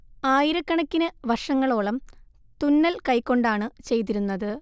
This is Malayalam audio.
ആയിരക്കണക്കിന് വർഷങ്ങളോളം തുന്നൽ കൈകൊണ്ടാണ് ചെയ്തിരുന്നത്